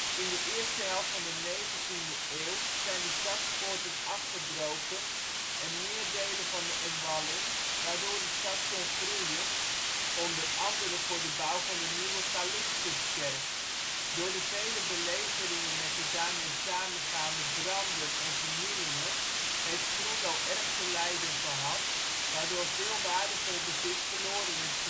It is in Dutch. In de eerste helft van de 19e eeuw zijn de stadspoorten afbroken en meer delen van de omwalling, waardoor de stad kon groeien, onder andere voor de bouw van de Nieuwe Calixtuskerk. Door de vele belegeringen met de de daarmee samen gaande branden en vernielingen heeft Groenlo erg te lijden gehad, waardoor veel waardevol bezit verloren is gegaan